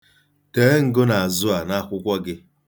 Dee ngụnazụ a n'akwụkwọ gị